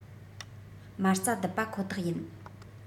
མ རྩ བརྡིབས པ ཁོ ཐག ཡིན